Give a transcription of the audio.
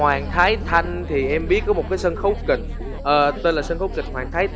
hoàng thái thanh thì em biết có một cái sân khấu kịch tên là sân khấu kịch hoàng thái